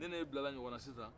ne n'e bilala ɲɔgɔn na sisan